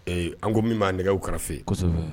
Ee an ko min b'a nɛgɛw kɛrɛfɛ fɛ yen